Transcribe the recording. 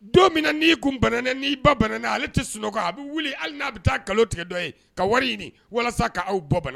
Don min na n' kun bɛnɛ n ni ba bɛnna ale tɛ sunɔgɔ a bɛ wuli hali n'a bɛ taa kalo tigɛ ye ka wari ɲini walasa k' aw ba